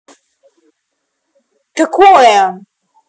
какой ой